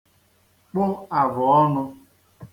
kpụ àvọ̀ọnụ̄